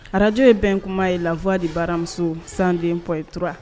Ararajo ye bɛn kuma ye ffa de baramuso sanden pyetura